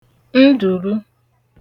ndùru